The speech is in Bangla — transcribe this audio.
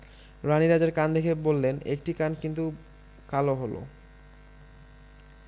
রানী রাজার কান দেখে বললেন একটি কান কিন্তু কালো হল'